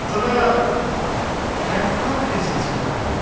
Dyna, cerdd bach wnes i ysgrifennu.